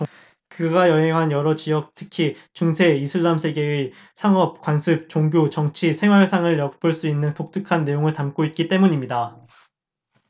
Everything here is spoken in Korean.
그가 여행한 여러 지역 특히 중세 이슬람 세계의 상업 관습 종교 정치 생활상을 엿볼 수 있는 독특한 내용을 담고 있기 때문입니다